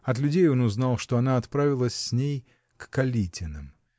от людей он узнал, что она отправилась с ней к Калитиным.